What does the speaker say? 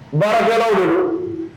Baarajɔlaw kɔnɔ